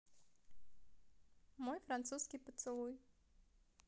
мой французский поцелуй